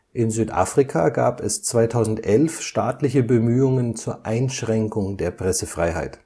In Südafrika gab es 2011 staatliche Bemühungen zur Einschränkung der Pressefreiheit